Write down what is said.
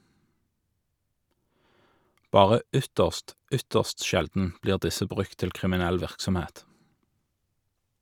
Bare ytterst, ytterst sjelden blir disse brukt til kriminell virksomhet.